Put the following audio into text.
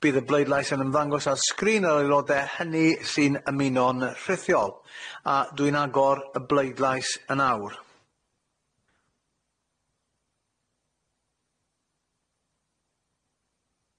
Bydd y bleidlais yn ymddangos ar sgrin yr aelodau hynny sy'n ymuno'n rhithiol, a dwi'n agor y bleidlais yn awr.